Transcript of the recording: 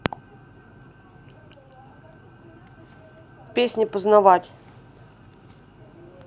песни познавать